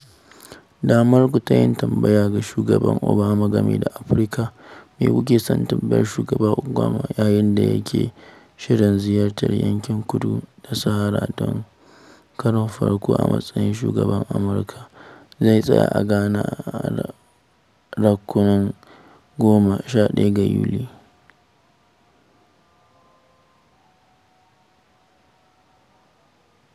Damar ku ta yin tambaya ga Shugaba Obama game da Afirka: Me kuke son tambayar Shugaba Obama, yayin da yake shirin ziyartar yankin kudu da Sahara a karon farko a matsayin shugaban Amurka – Zai tsaya a Ghana a ranakun 10-11 ga Yuli?